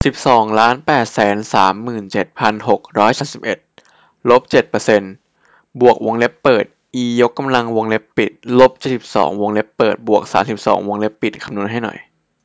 สิบสองล้านแปดแสนสามหมื่นเจ็ดพันหกร้อยสามสิบเอ็ดลบเจ็ดเปอร์เซนต์บวกวงเล็บเปิดอียกกำลังวงเล็บปิดลบเจ็ดสิบสองวงเล็บเปิดบวกสามสิบสองวงเล็บปิดคำนวณให้หน่อย